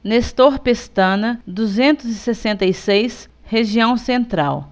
nestor pestana duzentos e sessenta e seis região central